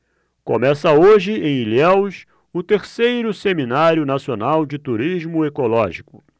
começa hoje em ilhéus o terceiro seminário nacional de turismo ecológico